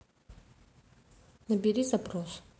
набери запрос